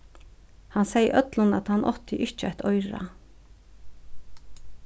hann segði øllum at hann átti ikki eitt oyra